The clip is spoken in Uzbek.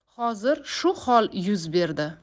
hozir shu hol yuz berdi